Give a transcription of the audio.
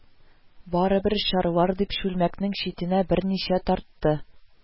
Барыбер чарлар дип, чүлмәкнең читенә берничә тартты